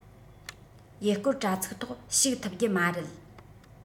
ཡུལ སྐོར དྲ ཚིགས ཐོག ཞུགས ཐུབ རྒྱུ མ རེད